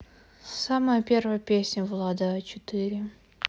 самая первая песня влада а четыре